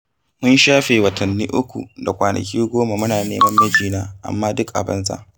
Mun shafe watanni uku da kwanaki goma muna neman mijina, amma duk a banza …